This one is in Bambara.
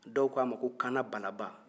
dɔw k'a ma ko kana balaba